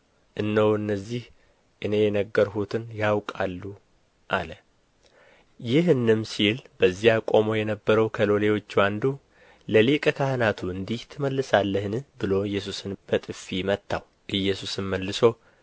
እነሆ እነዚህ እኔ የነገርሁትን ያውቃሉ አለው ይህንም ሲል በዚያ ቆሞ የነበረው ከሎሌዎች አንዱ ለሊቀ ካህናቱ እንዲህ ትመልሳለህን ብሎ ኢየሱስን በጥፊ መታው ኢየሱስም መልሶ